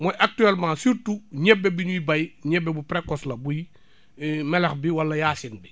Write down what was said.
mooy actuellement surtout ñebe bi ñuy bay ñebe bu précoce la buy melax bi wala yaasin bi